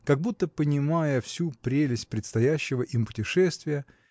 как будто понимая всю прелесть предстоящего им путешествия